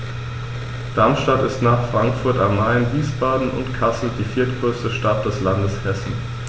Darmstadt ist nach Frankfurt am Main, Wiesbaden und Kassel die viertgrößte Stadt des Landes Hessen